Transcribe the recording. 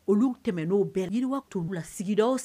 Olu tɛmɛn'o bɛɛ yiririnwa tu la sigida